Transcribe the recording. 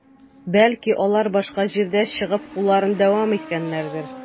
Бәлки, алар башка җирдә чыгып, кууларын дәвам иткәннәрдер?